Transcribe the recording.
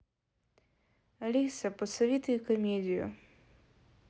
алиса посоветуй комедию